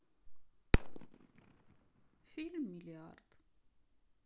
фильм миллиард